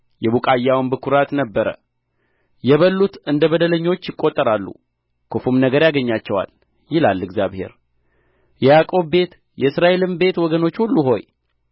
የቡቃያውም ብኩራት ነበረ የበሉት እንደ በደለኞች ይቈጠራሉ ክፉም ነገር ያገኛቸዋል ይላል እግዚአብሔር የያዕቆብ ቤት የእስራኤልም ቤት ወገኖች ሁሉ ሆይ